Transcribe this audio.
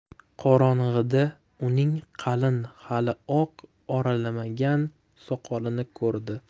qorong'ida uning qalin hali oq oralamagan soqolini ko'rdi